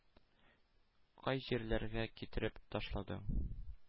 Кай җирләргә китреп ташладың.